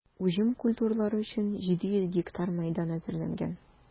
Уҗым культуралары өчен 700 га мәйдан әзерләнгән.